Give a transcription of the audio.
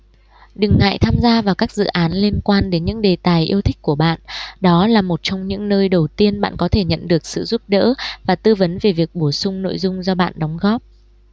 đừng ngại tham gia vào các dự án liên quan đến những đề tài yêu thích của bạn đó là một trong những nơi đầu tiên bạn có thể nhận được sự giúp đỡ và tư vấn về việc bổ sung nội dung do bạn đóng góp